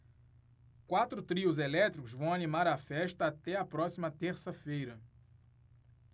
quatro trios elétricos vão animar a festa até a próxima terça-feira